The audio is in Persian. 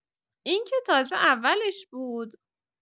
اینکه تازه اولش بود.